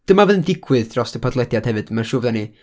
Dyma fydd yn digwydd drost y podlediad hefyd, ma' siŵr fyddwn ni...